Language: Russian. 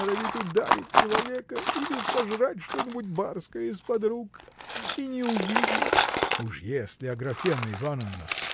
норовит ударить человека или сожрать что-нибудь барское из-под рук – и не увидишь. – Уж если Аграфена Ивановна